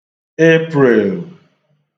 Eprèèl